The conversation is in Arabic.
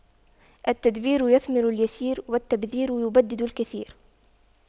التدبير يثمر اليسير والتبذير يبدد الكثير